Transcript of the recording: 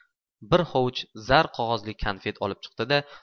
bir hovuch zar qog'ozli konfet olib chiqdi da